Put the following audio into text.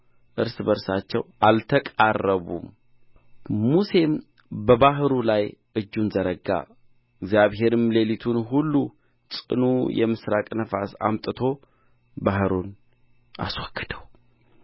በእርሳቸው አልተቃረቡም ሙሴም በባሕሩ ላይ እጁን ዘረጋ እግዚአብሔርም ሌሊቱን ሁሉ ጽኑ የምሥራቅ ነፋስ አምጥቶ ባሕሩን አስወገደው